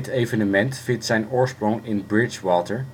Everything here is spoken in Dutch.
evenement vindt zijn oorsprong in Bridgwater